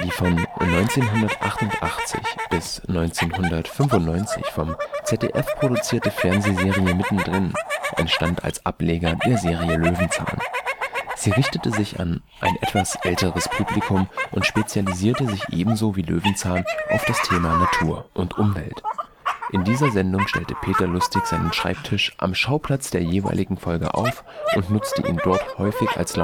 von 1988 bis 1995 vom ZDF produzierte Fernsehserie mittendrin entstand als Ableger der Serie Löwenzahn. Sie richtete sich an ein etwas älteres Publikum und spezialisierte sich ebenso wie Löwenzahn auf das Thema Natur und Umwelt. In dieser Sendung stellte Peter Lustig seinen Schreibtisch am Schauplatz der jeweiligen Folge auf und nutzte ihn dort häufig als